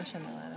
mentionné waale